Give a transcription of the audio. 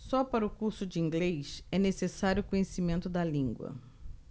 só para o curso de inglês é necessário conhecimento da língua